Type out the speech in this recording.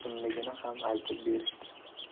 kimligini ham aytib berishdi